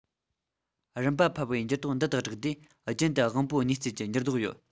རིམ པ འཕར བའི འགྱུར ལྡོག འདི དང སྦྲགས དུས རྒྱུན དུ དབང པོའི ནུས རྩལ གྱི འགྱུར ལྡོག ཡོད